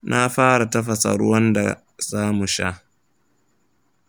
na fara tafasa ruwan da zamu sha.